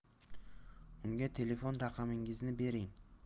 unga telefon raqamingizni bering